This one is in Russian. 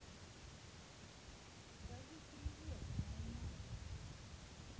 скажи привет моей маме